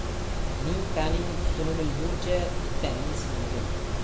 mingtaning tusini bilguncha bittaning ismini bil